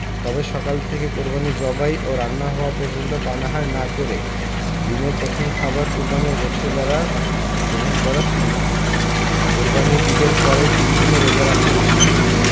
তবে সকাল থেকে কোরবানি জবাই ও রান্না হওয়া পর্যন্ত পানাহার না করে দিনের প্রথম খাবার কোরবানির গোশত দ্বারা গ্রহণ করা সুন্নাত কোরবানির ঈদের পরের তিন দিনও রোজা রাখা নিষেধ